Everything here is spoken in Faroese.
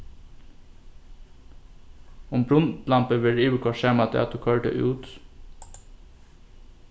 um brundlambið verður yvirkoyrt sama dag tú koyrir tað út